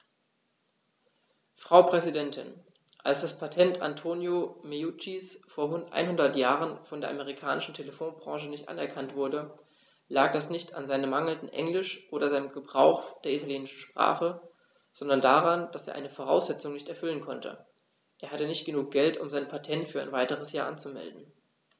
Frau Präsidentin, als das Patent Antonio Meuccis vor einhundert Jahren von der amerikanischen Telefonbranche nicht anerkannt wurde, lag das nicht an seinem mangelnden Englisch oder seinem Gebrauch der italienischen Sprache, sondern daran, dass er eine Voraussetzung nicht erfüllen konnte: Er hatte nicht genug Geld, um sein Patent für ein weiteres Jahr anzumelden.